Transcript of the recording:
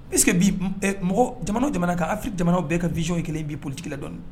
Puisse que bi ɛ mɔgɔ, ɔjamana o jamana kan Afrique jamanaw bɛɛ ka vision ye kelen ye bi politique ko la dɔɔnin.